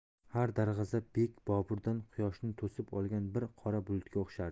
har darg'azab bek boburdan quyoshni to'sib olgan bir qora bulutga o'xshardi